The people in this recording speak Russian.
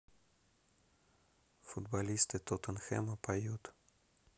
футболисты тоттенхэма поют